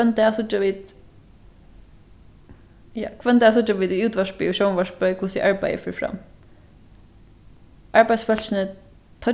hvønn dag síggja vit ja hvønn dag síggja vit í útvarpi og sjónvarpi hvussu arbeiðið fer fram arbeiðsfólkini